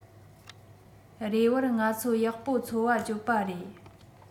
རེ བར ང ཚོ ཡག པོ འཚོ བ སྤྱོད པ རེད